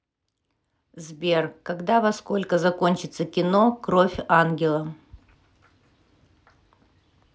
сбер когда во сколько закончится кино кровь ангела